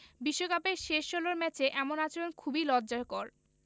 বিশ্বকাপের শেষ ষোলর ম্যাচে এমন আচরণ খুবই লজ্জাকর